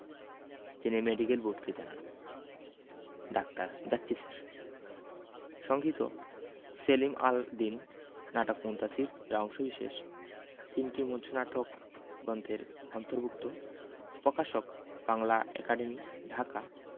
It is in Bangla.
জেনে মেডিকেল বোর্ডকে জানান ডাক্তার যাচ্ছি স্যার সংগৃহীত সেলিম আল দীন নাটক মুনতাসীর এর অংশবিশেষ তিনটি মঞ্চনাটক গ্রন্থের অন্তর্ভুক্ত প্রকাশকঃ বাংলা একাডেমী ঢাকা